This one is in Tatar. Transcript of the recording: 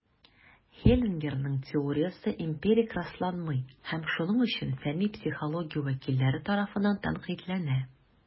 Хеллингерның теориясе эмпирик расланмый, һәм шуның өчен фәнни психология вәкилләре тарафыннан тәнкыйтьләнә.